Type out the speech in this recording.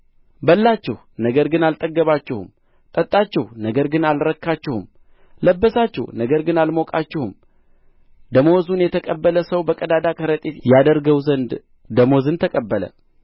በላችሁ ነገር ግን አልጠገባችሁም ጠጣችሁ ነገር ግን አልረካችሁም ለበሳችሁ ነገር ግን አልሞቃችሁም ደመወዙን የተቀበለ ሰው በቀዳዳ ከረጢት ያደርገው ዘንድ ደመወዙን ተቀበለ